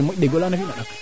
den kay gaa ndeetlu woogu rek